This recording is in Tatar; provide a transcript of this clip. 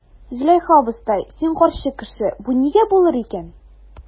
Зөләйха абыстай, син карчык кеше, бу нигә булыр икән?